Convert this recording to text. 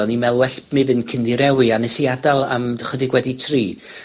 o'n i me'wl well mi fynd cyn 'ddi rewi, a nes i adal am ychydig wedi tri.